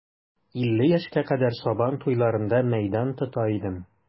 Илле яшькә кадәр сабан туйларында мәйдан тота идем.